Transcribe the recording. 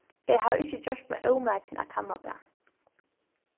eg havi ikki gjørt mær ómakin at kanna tað